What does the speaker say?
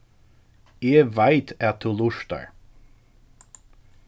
eg veit at tú lurtar